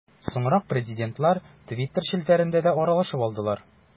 Соңрак президентлар Twitter челтәрендә дә аралашып алдылар.